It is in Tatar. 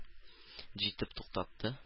Җитеп туктатты